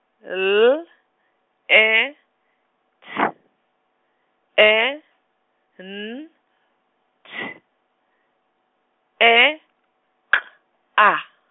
L E T E N T E K A.